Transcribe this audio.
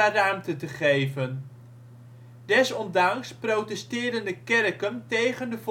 ruimte te geven. Desondanks protesteerden de kerken tegen